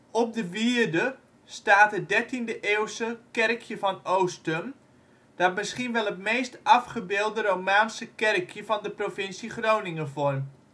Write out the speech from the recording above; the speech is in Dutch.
Op de wierde staat het 13e eeuwse kerkje van Oostum, dat misschien wel het meest afgebeelde romaanse kerkje van de provincie Groningen vormt